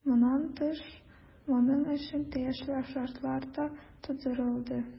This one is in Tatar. Моннан тыш, моның өчен тиешле шартлар да тудырылды.